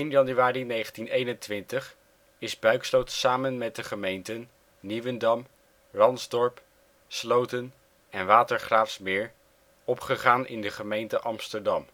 januari 1921 is Buiksloot samen met de gemeenten Nieuwendam, Ransdorp, Sloten en Watergraafsmeer opgegaan in de gemeente Amsterdam